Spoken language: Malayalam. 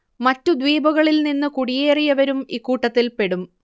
മറ്റ് ദ്വീപുകളിൽ നിന്ന് കുടിയേറിയവരും ഇക്കൂട്ടത്തിൽ പെടും